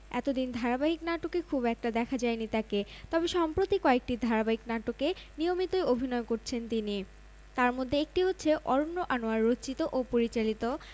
আনন্দনগর প্রতিবেদক যুগান্তর হতে সংগৃহীত প্রকাশের সময় ২০মার্চ ২০১৮ রাত ১২:০০ টা